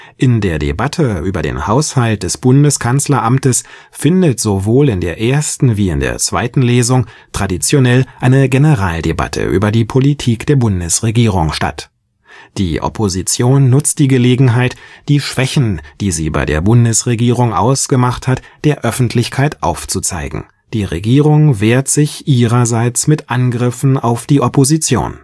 In der Debatte über den Haushalt des Bundeskanzleramtes findet sowohl in der ersten wie in der zweiten Lesung traditionell eine Generaldebatte über die Politik der Bundesregierung statt. Die Opposition nutzt die Gelegenheit, die Schwächen, die sie bei der Bundesregierung ausgemacht hat, der Öffentlichkeit aufzuzeigen; die Regierung wehrt sich ihrerseits mit Angriffen auf die Opposition